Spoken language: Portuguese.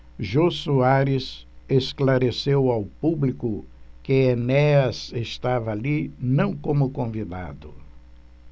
jô soares esclareceu ao público que enéas estava ali não como convidado